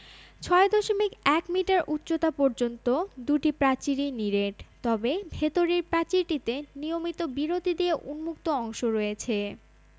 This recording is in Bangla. ৬দশমিক ১ মিটার উচ্চতা পর্যন্ত দুটি প্রাচীরই নিরেট তবে ভেতরের প্রাচীরটিতে নিয়মিত বিরতি দিয়ে উন্মুক্ত অংশ রয়েছে